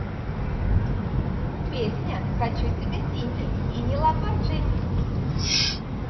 песня хочу себе синий и не lamborghini